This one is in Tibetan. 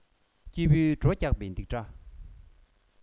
སྐྱིད པོའི བྲོ རྒྱག པའི རྡིག སྒྲ